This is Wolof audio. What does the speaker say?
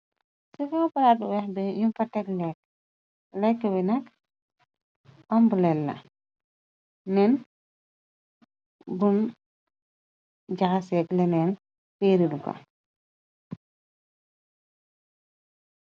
ci kawparaatu weex bi nu fatek lekk layko wi nak ambulella neen bun jaxaseek leneen féeril ko